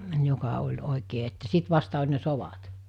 joka oli oikein että sitten vasta oli ne sodat